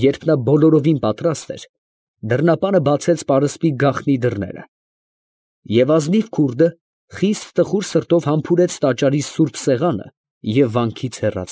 Երբ նա բոլորովին պատրաստ էր, դռնապանը բացեց պարսպի գաղտնի դռները, և ազնիվ քուրդը խիստ տխուր սրտով համբուրեց տաճարի սուրբ սեղանը, և հեռացավ վանքից։